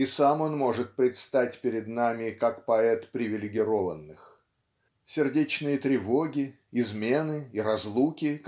и сам он может предстать перед нами как поэт привилегированных. Сердечные тревоги измены и разлуки